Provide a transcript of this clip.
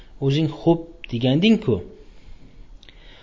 o'zing xo'p deganding ku